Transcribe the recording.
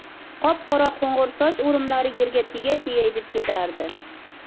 qop qora qo'ng'ir soch o'rimlari yerga tegay tegay deb ketardi